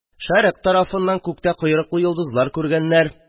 – шәрык тарафыннан күктә койрыклы йолдыз күргәннәр.